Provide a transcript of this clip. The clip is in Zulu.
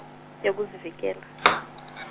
yokuzivikela .